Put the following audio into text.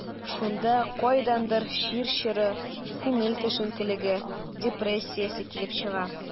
Шунда кайдандыр чир чоры, күңел төшенкелеге, депрессиясе килеп чыга.